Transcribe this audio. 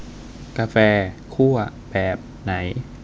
กาแฟคั่วแบบไหน